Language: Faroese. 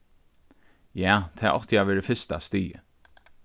ja tað átti at verið fyrsta stigið